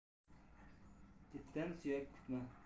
itdan suyak kutma